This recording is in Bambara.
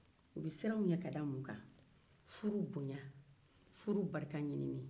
u bɛ siran u ɲɛ ka da mun kan furu bonya furu barika ɲininni